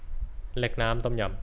เล็กน้ำต้มยำ